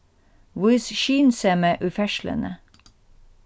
vís skynsemi í ferðsluni